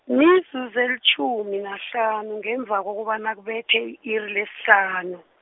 mizuzu elitjhumi nahlanu ngemva kobana kubethe i-iri lesihlanu.